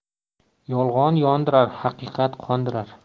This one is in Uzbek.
yolg'on yondirar haqiqat qondirar